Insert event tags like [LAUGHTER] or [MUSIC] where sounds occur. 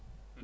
[HESITATION]